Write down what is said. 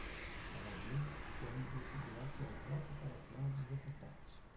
ela disse que ainda decidirá seu voto para a câmara dos deputados